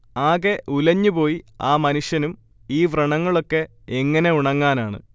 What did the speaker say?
ആകെ ഉലഞ്ഞുപോയി ആ മനുഷ്യനും ഈ വ്രണങ്ങളൊക്കെ എങ്ങനെ ഉണങ്ങാനാണ്